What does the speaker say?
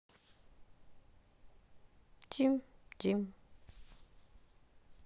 тим тим